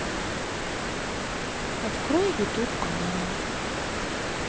открой ютуб канал